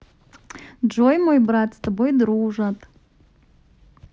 джой мой брат с тобой дружат